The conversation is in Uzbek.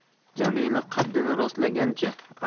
jamila qaddini rostlagancha